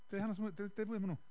Deud hanes mwy, deu- deud mwy am hwnnw.